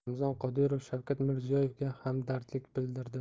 ramzan qodirov shavkat mirziyoyevga hamdardlik bildirdi